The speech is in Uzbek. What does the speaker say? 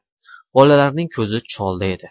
bolalarning ko'zi cholda edi